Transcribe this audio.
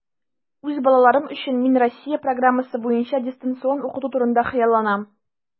Үз балаларым өчен мин Россия программасы буенча дистанцион укыту турында хыялланам.